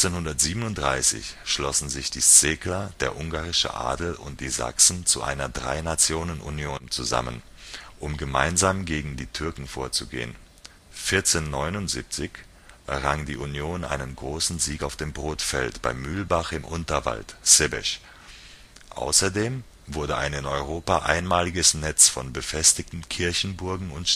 1437 schlossen sich die Szekler, der ungarische Adel und die Sachsen zu einer Dreinationen-Union (Unio trium nationum) zusammen, um gemeinsam gegen die Türken vorzugehen. 1479 errang die Union einen großen Sieg auf dem Brodfeld bei Mühlbach im Unterwald (Sebeş). Außerdem wurde ein in Europa einmaliges Netz von befestigten Kirchenburgen und